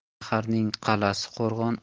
shaharning qa'lasi qo'rg'on